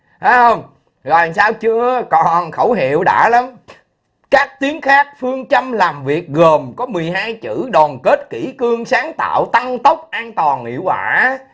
phải hông rồi sao chưa còn khẩu hiệu đã lắm các tiếng khác phương châm làm việc gồm có mười hai chữ đoàn kết kỷ cương sáng tạo tăng tốc an toàn hiệu quả